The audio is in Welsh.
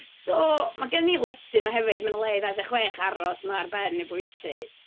So, mae gen ni lety 'ma hefyd. Ma' 'na le i ddau ddeg chwech aros yma ar ben y bwyty.